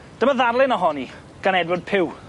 Dyma ddarlun ohoni, gan Edward Pugh.